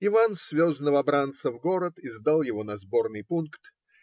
Иван свез новобранца в город и сдал его на сборный пункт.